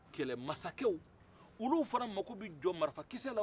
kɛlɛmasakɛw olu fɛnɛ mako bɛ jɔ marifakisɛ la